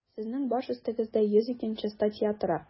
Сезнең баш өстегездә 102 нче статья тора.